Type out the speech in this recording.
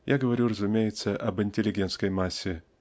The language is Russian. -- я говорю, разумеется, об интеллигентской массе.